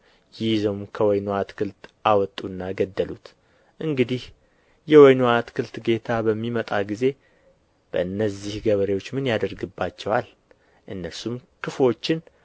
ይዘውም ከወይኑ አትክልት አወጡና ገደሉት እንግዲህ የወይኑ አትክልት ጌታ በሚመጣ ጊዜ በእነዚህ ገበሬዎች ምን ያደርግባቸዋል እነርሱም ክፉዎችን